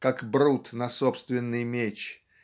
как Брут на собственный меч